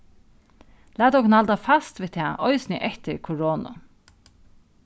latið okkum halda fast við tað eisini eftir koronu